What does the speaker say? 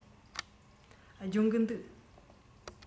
སྦྱོང གི འདུག